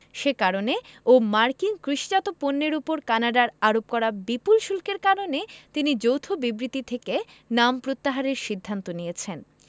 সে কারণে ও মার্কিন কৃষিজাত পণ্যের ওপর কানাডার আরোপ করা বিপুল শুল্কের কারণে তিনি যৌথ বিবৃতি থেকে নাম প্রত্যাহারের সিদ্ধান্ত নিয়েছেন